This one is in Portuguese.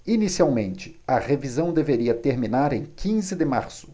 inicialmente a revisão deveria terminar em quinze de março